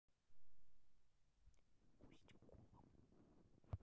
усть кулом